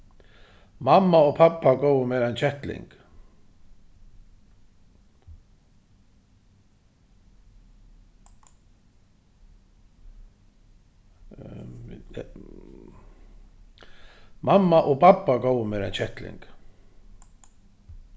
mamma og babba góvu mær ein kettling